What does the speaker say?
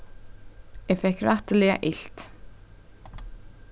eg fekk rættiliga ilt